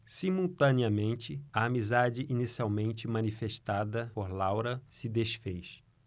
simultaneamente a amizade inicialmente manifestada por laura se disfez